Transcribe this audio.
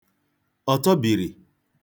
ọ̀tọbìrì